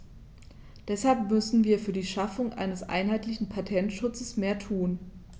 Deshalb müssen wir für die Schaffung eines einheitlichen Patentschutzes mehr tun.